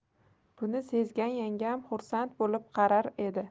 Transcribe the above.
buni sezgan yangam xursand bo'lib qarar edi